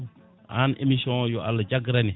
an émission yo Allah jagarane